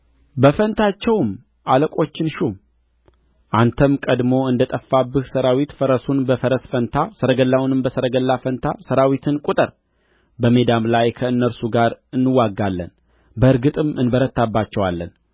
በፋንታቸውም አለቆችን ሹም አንተም ቀድሞ እንደ ጠፋብህ ሠራዊት ፈረሱን በፈረስ ፋንታ ሰረገላውንም በሰረገላ ፋንታ ሠራዊትን ቍጠር በሜዳም ላይ ከእነርሱ ጋር እንዋጋለን በእርግጥም እንበረታባቸዋለን